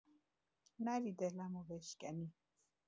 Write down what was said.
نری دلمو بشکنی